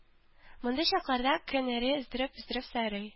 Мондый чакларда кенәри өздереп-өздереп сайрый